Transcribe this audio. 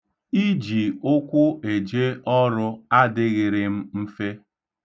Iji ụkwụ eje ọrụ adịghịrị m mfe.